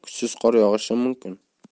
kuchsiz qor yog'ishi mumkin